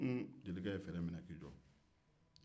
jelikɛ ye fɛrɛn minɛ k'i jɔ